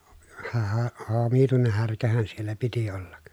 -- omituinen härkähän siellä piti olla